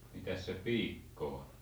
mitäs se piikko on